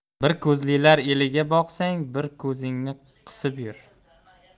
bir ko'zlilar eliga borsang bir ko'zingni qisib yur